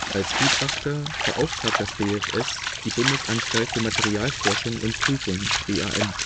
Als Gutachter beauftragt das BfS die Bundesanstalt für Materialforschung und - prüfung (BAM